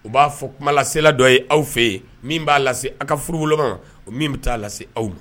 U b'a fɔ kumalasela dɔ ye aw fɛ yen min b'a lase a' ka furuboloma, o min bɛ ta'a lase aw ma